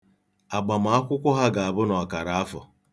Agbamakwụkwọ ha ga-abụ n'ọkaraafọ.